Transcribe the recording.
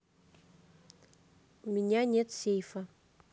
у меня нет сейфа